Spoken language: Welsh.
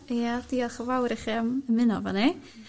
Ia diolch yn fawr i chi am ymuno efo ni